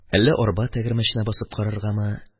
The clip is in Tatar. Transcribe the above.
Әллә арба тәгәрмәченә басып караргамы?